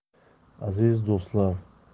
aziz do'stlar